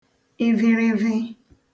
ịvịrịvị